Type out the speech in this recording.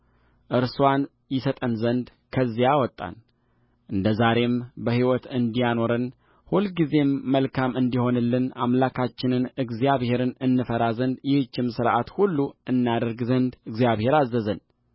እርስዋን ይሰጠን ዘንድ ከዚያ አወጣንእንደ ዛሬም በሕይወት እንዲያኖረን ሁልጊዜም መልካም እንዲሆንልን አምላካችንን እግዚአብሔርን እንፈራ ዘንድ ይህችንም ሥርዓት ሁሉ እናደርግ ዘንድ እግዚአብሔር አዘዘን